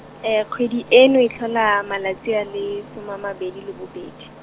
kgwedi eno e tlhola malatsi a le, soma a mabedi le bobedi.